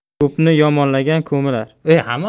ko'pni yomonlagan ko'milar